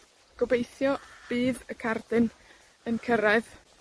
Gobeithio bydd y cardyn yn cyrraedd.